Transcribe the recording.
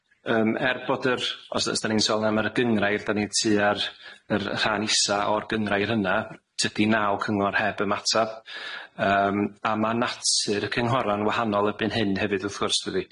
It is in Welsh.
Wedyn yym er bod yr os os 'dan ni'n sôn am yr y gynghrair 'dan ni tua'r yr y rhan isa' o'r gynghrair yna, tydi naw cyngor heb ymatab, yym a ma' natur y cynghora'n wahanol erbyn hyn hefyd wrth gwrs dydi?